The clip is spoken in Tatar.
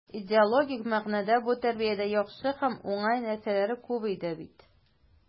Идеологик мәгънәдә бу тәрбиядә яхшы һәм уңай нәрсәләр күп иде бит.